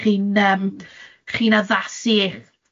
Chi'n yym chi'n addasu.